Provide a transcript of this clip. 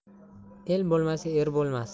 el bo'lmasa er bo'lmas